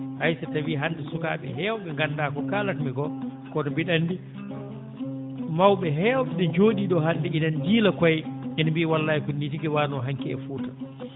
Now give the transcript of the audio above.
hay so tawii hannde sukaaɓe heewɓe nganndaa ko kaalatmi ko kono mbiɗa anndi mawɓe heewɓe no jooɗii ɗoo hannde ina njiila koye ina mbiya wallay ko nii tigi waanoo hanki e Fuuta